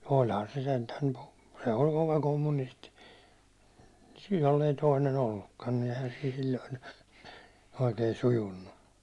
ole ihan se sentään kun se oli kova kommunisti jos ei toinen ollutkaan niin eihän siin silloin oikein sujunut